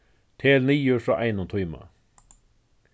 tel niður frá einum tíma